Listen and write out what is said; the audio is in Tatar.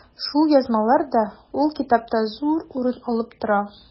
Шул язмалар да ул китапта зур урын алып тора.